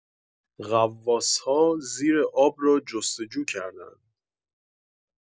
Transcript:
غواص‌ها زیرآب را جست‌جو کردند